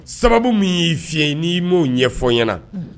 Sababu min y'i fi n'i maaw ɲɛ ɲɛfɔ ɲɛnaana